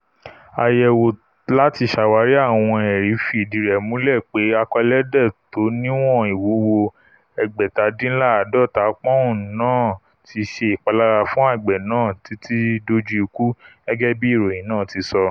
Àyẹ̀wò láti ṣàwárí àwọn ẹ̀rí fi ìdí rẹ̀ múlẹ̀ pé akọ ẹlẹ́dẹ̀ tó níwọn ìwúwo ẹgbẹ̀tadínláàádọ́ta pọ́un náà ti ṣe ìpalára fún àgbẹ̀ náà títí dójú ikù, gẹ́gẹ́bí ìròyìn náà ti sọ.